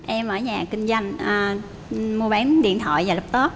em ở nhà kinh doanh a mua bán điện thoại và láp tốp